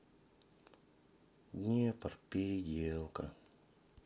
днепр переделка